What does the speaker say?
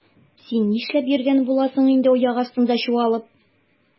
Син нишләп йөргән буласың инде аяк астында чуалып?